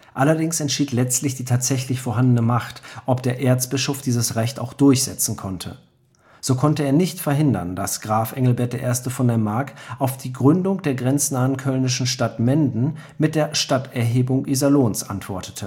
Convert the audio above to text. Allerdings entschied letztlich die tatsächlich vorhandene Macht, ob der Erzbischof dieses Recht auch durchsetzen konnte. So konnte er nicht verhindern, dass Graf Engelbert I. von der Mark auf die Gründung der grenznahen kölnischen Stadt Menden mit der Stadterhebung Iserlohns antwortete